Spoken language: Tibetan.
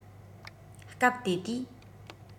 སྐབས དེ དུས